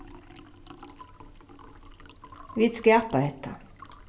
vit skapa hetta